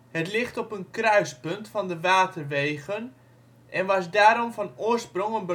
Het ligt op een kruispunt van de waterwegen en was daarom van oorsprong